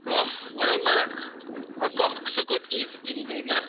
Och, wel mae y bocs o goodies oedd 'da fi mewn 'na.